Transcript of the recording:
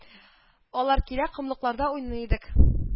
Алар килә, комлыкларда уйный идек